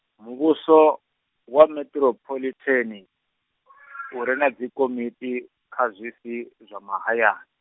muvhuso, wa meṱirophoḽitheni, u re na dzikomiti, kha zwisi, zwa mahayani.